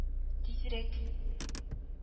Тизрәк